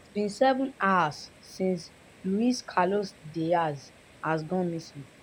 It's been been seven hours since Luis Carlos Díaz has gone missing.